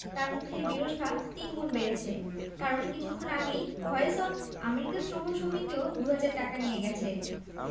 তাঁর মুখের বিরস ভাব তিনগুণ বেড়েছে কারণ কিছুক্ষণ আগে ভয়েস অব আমেরিকা শ্রবণ সমিতিও দু হাজার টাকা নিয়ে গেছে